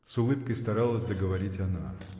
— с улыбкой старалась договорить она.